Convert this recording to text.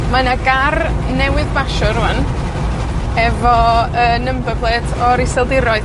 Mae 'na ger newydd basio rŵan, efo, yy, number plate o'r iseldiroedd.